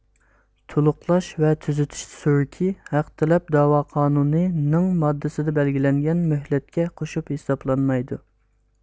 تۇلۇقلاش ۋە تۈزىتىش سۈرۈكى ھەق تەلەپ دەۋا قانۇنى نىڭ ماددىسىدا بەلگىلەنگەن مۆھلەتكە قوشۇپ ھېسابلانمايدۇ